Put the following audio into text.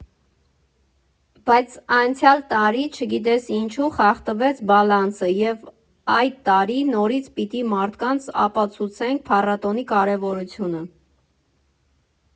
Բայց անցյալ տարի, չգիտես ինչու, խախտվեց բալանսը, և այդ տարի նորից պիտի մարդկանց ապացուցենք փառատոնի կարևորությունը։